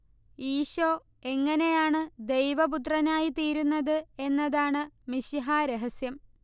ഈശോ എങ്ങിനെയാണ് ദൈവപുത്രനായി തീരുന്നത്എന്നതാണ് മിശിഹാ രഹസ്യം